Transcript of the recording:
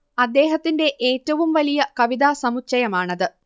അദ്ദേഹത്തിന്റെ ഏറ്റവും വലിയ കവിതാ സമുച്ചയമാണത്